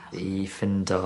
i ffindo